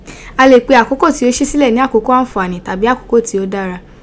A le pe akoko ti o si sile ni akokoanfani tabi akoko ti o dara.